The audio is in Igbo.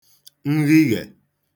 nghighè